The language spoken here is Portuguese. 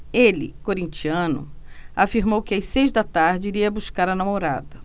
ele corintiano afirmou que às seis da tarde iria buscar a namorada